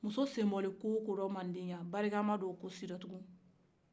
muso sen belen ko o ko la o ma diya barika ma don o ko si la tuguni